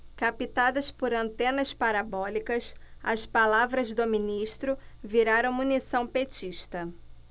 captadas por antenas parabólicas as palavras do ministro viraram munição petista